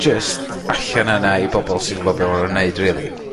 jyst allan yna i bobol sy'n wbo be' ma' nw'n neud rili.